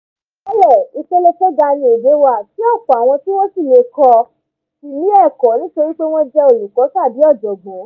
Tẹ́lẹ̀, ìpele tó ga ni èdè wà tí ọ̀pọ̀ àwọn tí wọ́n sì le kọ ọ́ sì ní ẹ̀kọ́ nítorí pé wọ́n jẹ́ olùkọ́ tàbi ọ̀jọ̀gbọ́n.